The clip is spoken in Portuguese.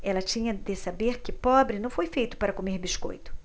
ela tinha de saber que pobre não foi feito para comer biscoito